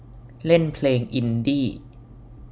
เล่นเพลงอินดี้